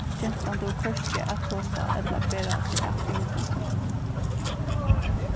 gentan dugir hvørki at tosa ella at bera seg at ímillum fólk